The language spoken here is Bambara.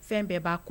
Fɛn bɛɛ b'a kɔ